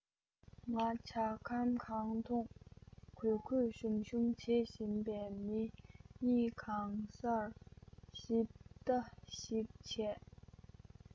ངས ཇ ཁམ གང འཐུང གུས གུས ཞུམ ཞུམ བྱེད བཞིན པའི མི གཉིས གང སར ཞིབ ལྟ ཞིག བྱས